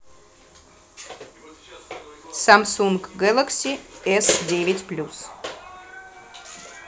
samsung galaxy s девять плюс